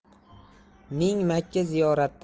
ming makka ziyoratdan